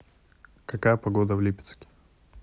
какая погода в липецке